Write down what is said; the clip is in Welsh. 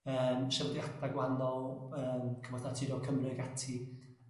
'yn trafodiada' gwahanol yn Cyfoeth Naturiol Cymru ac ati.